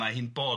Mae hi'n bod.